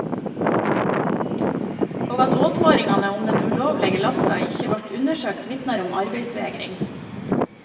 Og at åtvaringane om den ulovlege lasta ikkje vart undersøkt, vitnar om arbeidsvegring.